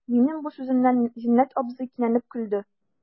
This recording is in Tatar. Минем бу сүземнән Зиннәт абзый кинәнеп көлде.